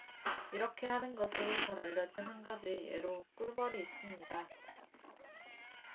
이렇게 하는 것으로 잘 알려진 한 가지 예로 꿀벌이 있습니다